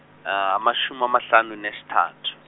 amashum' amahlanu nesithathu .